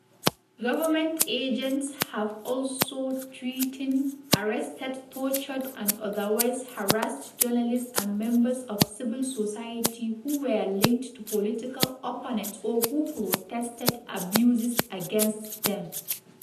Government agents have also threatened, arrested, tortured, and otherwise harassed journalists and members of civil society who were linked to political opponents or who protested abuses against them.